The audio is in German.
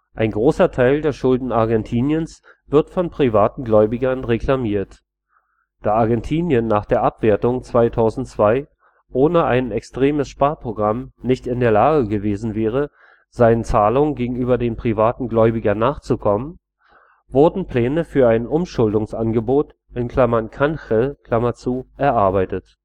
Ein großer Teil der Schulden Argentiniens wird von privaten Gläubigern reklamiert. Da Argentinien nach der Abwertung 2002 ohne ein extremes Sparprogramm nicht in der Lage gewesen wäre, den Zahlungen gegenüber den privaten Gläubigern nachzukommen, wurden Pläne für ein Umschuldungsangebot (canje) erarbeitet